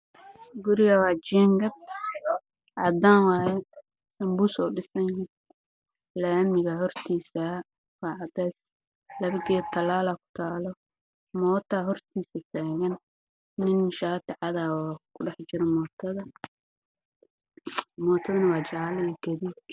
Wa laami waxaa maraayo bajaaj guduud midabkiisii yahay madow